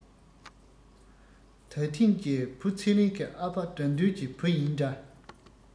ད ཐེངས ཀྱི བུ ཚེ རིང གི ཨ ཕ དགྲ འདུལ གྱི བུ ཡི འདྲ